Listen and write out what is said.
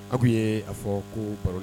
A Kun ye a fɔ ko baronin